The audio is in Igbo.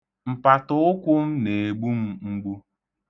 Mpatụụkwụ m na-egbu m mgbu.